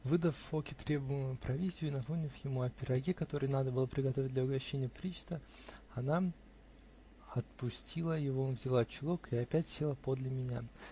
Выдав Фоке требуемую провизию и напомнив ему о пироге, который надо бы приготовить для угощения причта, она отпустила его, взяла чулок и опять села подле меня.